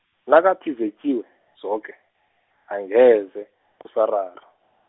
nakathi zetjiwe, zoke angeze kusarara.